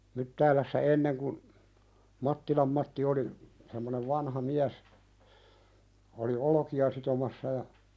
Myttäälässä ennen kun Mattilan Matti oli semmoinen vanha mies oli olkia sitomassa ja